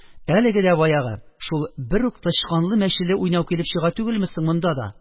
Әлеге дә баягы: шул бер үк «тычканлы-мәчеле» уйнау килеп чыга түгелме соң монда да?